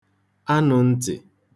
anụ̄ n̄tị̀